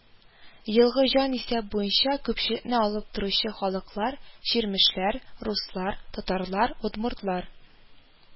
Елгы җанисәп буенча күпчелекне алып торучы халыклар: чирмешләр , руслар, татарлар , удмуртлар